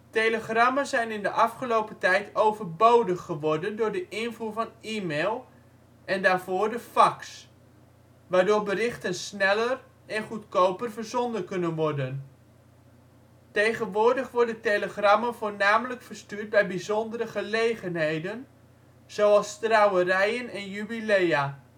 Telegrammen zijn in de afgelopen tijd overbodig geworden door de invoer van e-mail (en daarvoor de fax), waardoor berichten sneller en goedkoper verzonden kunnen worden. Tegenwoordig worden telegrammen voornamelijk verstuurd bij bijzondere gelegenheden zoals trouwerijen en jubilea